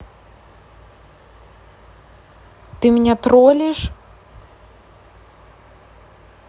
ты меня тролишь